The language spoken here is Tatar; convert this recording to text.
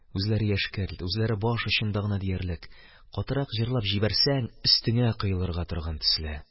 Үзләре яшькелт, үзләре баш очында гына диярлек, катырак җырлап җибәрсәң, өстеңә коелырга торган төсле.